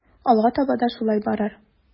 Алга таба да шулай барыр.